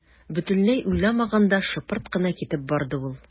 Бөтенләй уйламаганда шыпырт кына китеп барды ул.